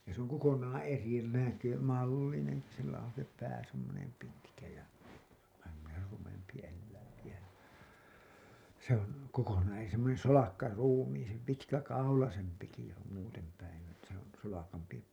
ja se on kokonaan eri - mallinenkin sillä on se pää semmoinen pitkä ja vähän semmoinen rumempi eläinkin ja se on kokonaan - semmoinen solakkaruumiisempi pitkäkaulaisempikin se on muuten päin että se on solakampi